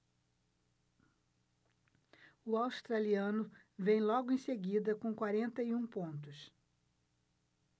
o australiano vem logo em seguida com quarenta e um pontos